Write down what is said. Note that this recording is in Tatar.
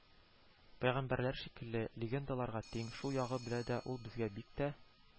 Пәйгамбәрләр шикелле, легендаларга тиң, шул ягы белән дә ул безгә бик тә